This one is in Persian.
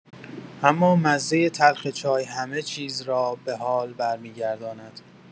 اما مزۀ تلخ چای همه‌چیز را به حال برمی‌گرداند.